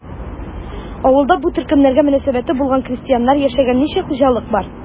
Авылда бу төркемнәргә мөнәсәбәте булган крестьяннар яшәгән ничә хуҗалык бар?